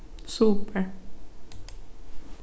super